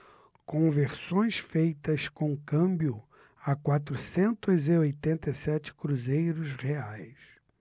conversões feitas com câmbio a quatrocentos e oitenta e sete cruzeiros reais